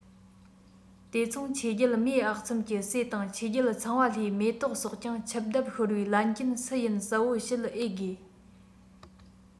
དེ མཚུངས ཆོས རྒྱལ མེས ཨག ཚོམ གྱི སྲས དང ཆོས རྒྱལ ཚངས པ ལྷའི མེ ཏོག སོགས ཀྱང ཆིབས བརྡབས ཤོར བའི ལན རྐྱེན སུ ཡིན གསལ པོ ཞུ ཨེ དགོས